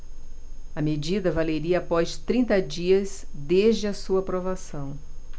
a medida valeria após trinta dias desde a sua aprovação